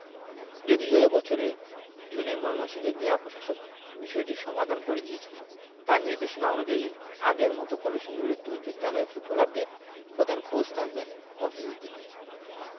যদিও এ বছরের জুনে ময়মনসিংহের জেলা পশাসক বিষয়টির সমাধান করে দিয়েছিলেন তাঁর নির্দেশনা অনুযায়ী আগের মতো কলসিন্দুরের দুই বিদ্যালয়ের ফুটবলারদের প্রধান কৌচ থাকবেন মফিজ উদ্দিনই